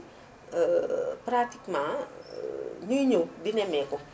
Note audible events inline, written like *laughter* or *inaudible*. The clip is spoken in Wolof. *hesitation* pratiquement *hesitation* ñuy ñëw di nemmeeku